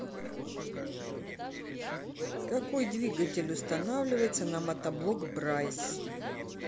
какой двигатель устанавливается на мотоблок брайс